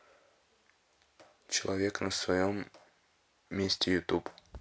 человек на своем месте ютуб